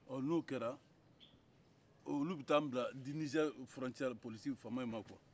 n'o kɛra olu bɛ t'an di nizɛri dancɛ faamaw ma kuwa